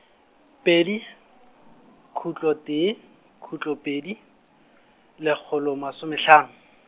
pedi, khutlo tee, khutlo pedi, lekgolo masomehlano.